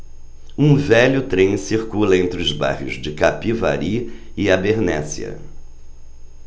um velho trem circula entre os bairros de capivari e abernéssia